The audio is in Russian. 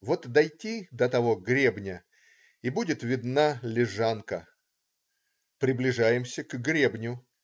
Вот дойти до того гребня - и будет видна Лежанка. Приближаемся к гребню.